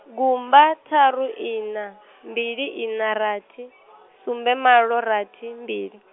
gumba ṱharu ina, mbili ina rathi , sumbe malo rathi mbili.